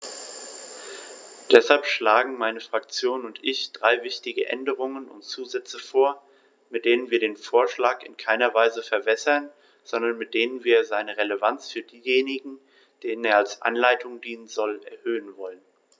Deshalb schlagen meine Fraktion und ich drei wichtige Änderungen und Zusätze vor, mit denen wir den Vorschlag in keiner Weise verwässern, sondern mit denen wir seine Relevanz für diejenigen, denen er als Anleitung dienen soll, erhöhen wollen.